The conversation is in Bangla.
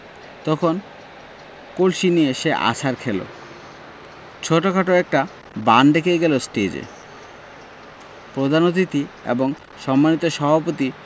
তখন কনসি নিয়ে সে আছাড় খেলো ছোটখাট একটা বান ডেকে গেল টেজে প্রধান অতিথি এবং সম্মানিত সভাপতি